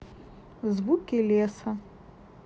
звуки леса